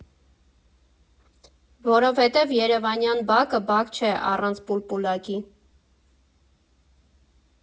Որովհետև երևանյան բակը բակ չէ առանց պուլպուլակի։